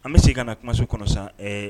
An bɛ segin ka na kumaso kɔnɔ sa